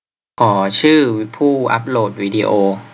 ขอชื่อผู้อัพโหลดวีดีโอ